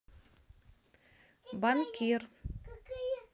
банкир